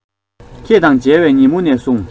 ཁྱེད དང མཇལ བའི ཉིན མོ ནས བཟུང